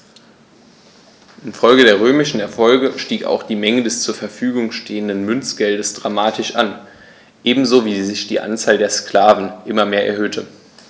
Infolge der römischen Erfolge stieg auch die Menge des zur Verfügung stehenden Münzgeldes dramatisch an, ebenso wie sich die Anzahl der Sklaven immer mehr erhöhte.